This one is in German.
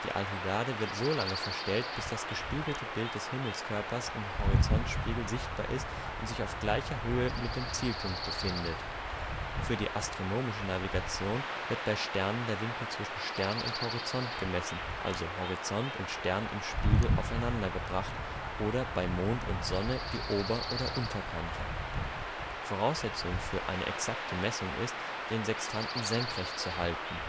Alhidade wird solange verstellt, bis das gespiegelte Bild des Himmelskörpers im Horizontspiegel sichtbar ist und sich auf gleicher Höhe mit dem Zielpunkt befindet. Für die Astronomische Navigation wird bei Sternen der Winkel zwischen Stern und Horizont gemessen, also Horizont und Stern im Spiegel aufeinander gebracht, oder bei Mond und Sonne die Ober - oder Unterkante. Voraussetzung für eine exakte Messung ist, den Sextanten senkrecht zu halten